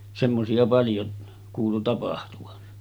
semmoisia paljon kuului tapahtuvan